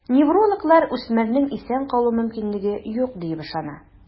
Неврологлар үсмернең исән калу мөмкинлеге юк диеп ышана.